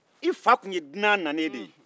i fa tun ye dunan nanen de ye